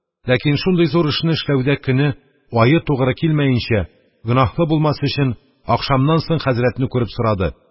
Ләкин шундый зур эшне эшләүдә көне, ае тугры килмәенчә, гөнаһлы булмас өчен, ахшамнан соң хәзрәтне күреп сорады.